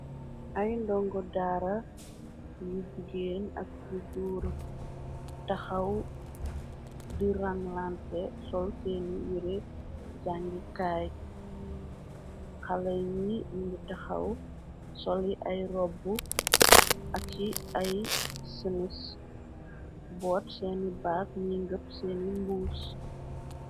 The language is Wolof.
Ay ndongo daara yu jigeen ak yu goor taxaw di ranlante, sol neeni yire jàngikaay, xale yi ninngi taxaw sol ay robbu ak yi ay senis, boot seeni baag ni ngëp seeni mbuus.